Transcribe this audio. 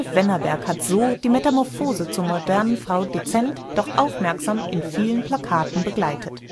Wennerberg hatte so die Metamorphose zur modernen Frau dezent, doch aufmerksam in vielen Plakaten begleitet